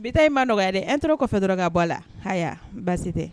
Bita in ma nɔgɔya an turu kɔfɛ dɔrɔn ka bɔ la h baasi tɛ